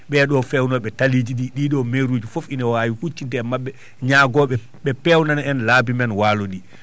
ɓee ɗoo feewnooɓe tali jiɗi ɗiɗo maire uji fof ina huccitde maɓɓe ñaagooɓe ɓe peewnana en laabi men waalo ɗii